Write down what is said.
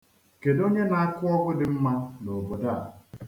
Kedu onye na-akụ ọgwụ dị mma n'obodo a?